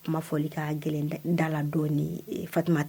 A kuma fɔ ka gɛlɛn dala dɔ fa